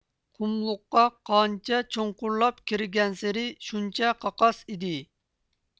قۇملۇققا قانچە چوڭقۇرلاپ كىرگەنسېرى شۇنچە قاقاس ئىدى